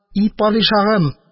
И падишаһым!